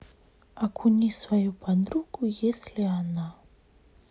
окуни свою подругу если она